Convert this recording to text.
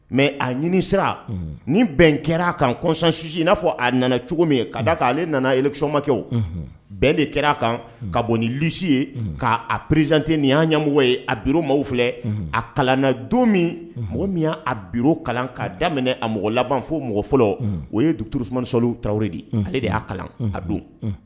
Mɛ a ɲini sera ni bɛn kɛra a kan kɔsansusi n'a a nana cogo min ye ka da ale nana somakɛ bɛn de kɛra a kan ka bɔ ni lisi ye k'a prizte ni y'an ɲamɔgɔ ye a bi maaw filɛ a kalanna don min mɔgɔ min y'a bi kalan k'a daminɛ a mɔgɔ labanfo mɔgɔ fɔlɔ o ye dutuurussoliw ta de ale de y'a kalan a don